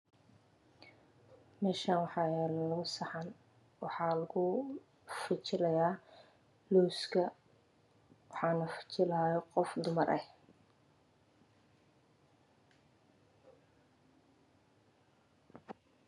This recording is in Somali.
Meshan waxayalo labo saxan waxa lakufijilayo looska waxan fijilayo qof dumar eh